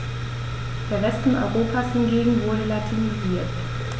Der Westen Europas hingegen wurde latinisiert.